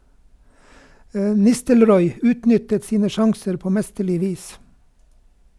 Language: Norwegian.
Nistelrooy utnyttet sine sjanser på mesterlig vis.